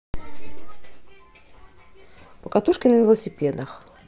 покатушки на велосипедах